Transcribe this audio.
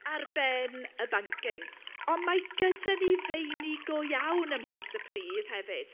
Ar ben y banking ond mae gyda ni feini go iawn ym Mhontypridd hefyd.